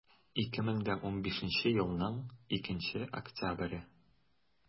2015 елның 2 октябре